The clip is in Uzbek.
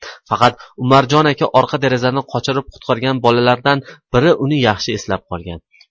faqat umarjon aka orqa derazadan qochirib qutqargan bolalardan biri uni yaxshi eslab qolgan